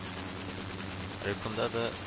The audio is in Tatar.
Райкомда да